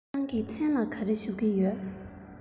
ཁྱེད རང གི མཚན ལ ག རེ ཞུ གི ཡོད